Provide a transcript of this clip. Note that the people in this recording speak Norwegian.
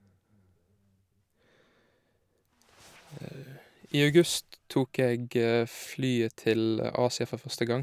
I august tok jeg flyet til Asia for første gang.